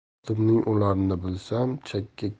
otamning o'larini bilsam chaksa